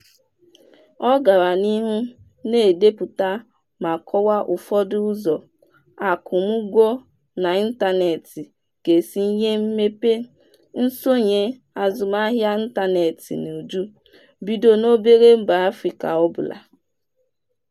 Ọ gara n'ihu na-edepụta ma kọwaa ụfọdụ ụzọ akwụm ụgwọ n'ịntanetị ga-esi nye mepee nsonye azụmahịa ịntanetị n'uju bido n'obere Mba Afrịka ọbụla.